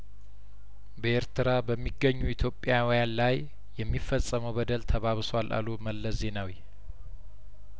በኤርትራ በሚገኙ ኢትዮጵያውያን ላይ የሚፈጸመው በደል ተባብሷል አሉ መለስ ዜናዊ